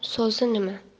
yu so'zi nima